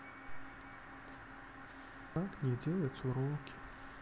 как не делать уроки